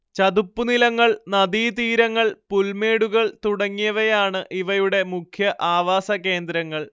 ചതുപ്പുനിലങ്ങൾ നദീതീരങ്ങൾ പുൽമേടുകൾ തുടങ്ങിയവയാണ് ഇവയുടെ മുഖ്യ ആവാസകേന്ദ്രങ്ങൾ